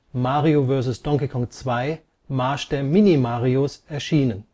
Mario vs. Donkey Kong 2 - Marsch der Mini-Marios “) ist bereits erschienen